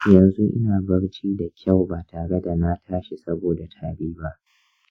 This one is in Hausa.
yanzu ina barci da kyau ba tare da na tashi saboda tari ba.